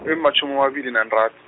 ematjhumi amabili nantathu.